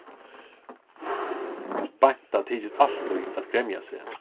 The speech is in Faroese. beinta tykist altíð at gremja seg